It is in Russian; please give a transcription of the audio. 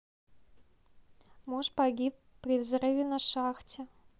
муж погиб при взрыве на шахте